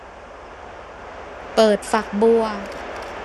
เปิดฝักบัว